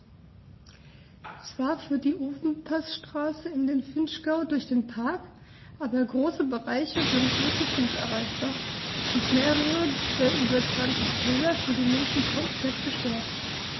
Zwar führt die Ofenpassstraße in den Vinschgau durch den Park, aber große Bereiche sind nur zu Fuß erreichbar und mehrere der über 20 Täler für den Menschen komplett gesperrt.